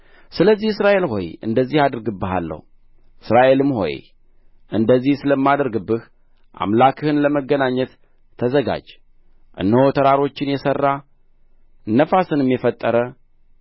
ስለዚህ እስራኤል ሆይ እንደዚህ አደርግብሃለሁ እስራኤልም ሆይ እንደዚህ ስለማደርግብህ አምላክህን ለመገናኘት ተዘጋጅ እነሆ ተራሮችን የሠራ ነፋስንም የፈጠረ